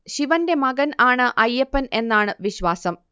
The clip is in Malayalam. ശിവന്റെ മകൻ ആണ് അയ്യപ്പൻ എന്നാണ് വിശ്വാസം